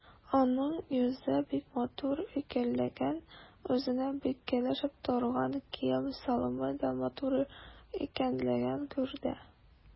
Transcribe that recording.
Аның йөзе бик матур икәнлеген, үзенә бик килешеп торган кием-салымы да матур икәнлеген күрде.